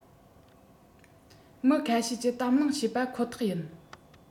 མི ཁ ཤས ཀྱིས གཏམ གླེང བྱེད པ ཁོ ཐག ཡིན